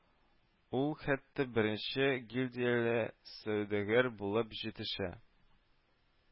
Ул, хәтта, беренче гильдияле сәүдәгәр булып җитешә